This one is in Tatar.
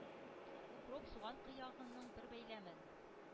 Укроп, суган кыягының бер бәйләмен